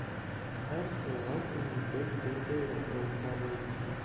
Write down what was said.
Һәр сайлау көнен без бер бәйрәм булып кабул иттек.